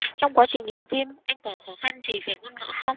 trong quá trình làm phim anh có khăn gì về ngôn ngữ không